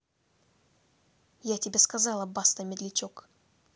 я тебе сказала баста медлячок